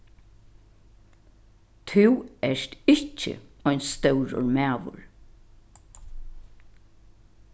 tú ert ikki ein stórur maður